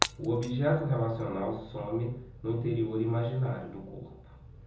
o objeto relacional some no interior imaginário do corpo